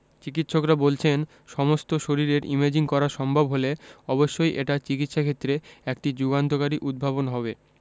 চিকিত্সকরা বলছেন সমস্ত শরীরের ইমেজিং করা সম্ভব হলে অবশ্যই এটা চিকিত্সাক্ষেত্রে একটি যুগান্তকারী উদ্ভাবন হবে